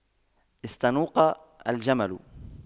استنوق الجمل